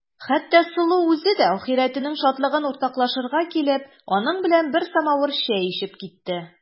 Хәтта Сылу үзе дә ахирәтенең шатлыгын уртаклашырга килеп, аның белән бер самавыр чәй эчеп китте.